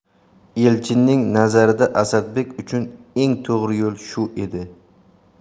elchinning nazarida asadbek uchun eng to'g'ri yo'l shu edi